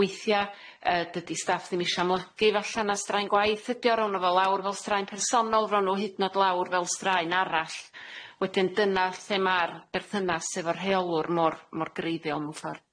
Weithia' yy dydi staff ddim isio amlygu falla na straen gwaith ydi o row' n'w fe lawr fel straen personol row' n'w hyd no'd lawr fel straen arall. Wedyn dyna lle ma'r berthynas efo'r rheolwr mor mor greiddiol mewn ffor.